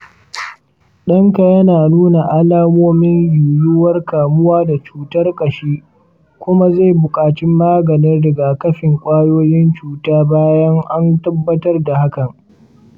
danka yana nuna alamomin yiwuwar kamuwa da cutar ƙashi kuma zai buƙaci maganin rigakafin ƙwayoyin cuta bayan an tabbatar da hakan.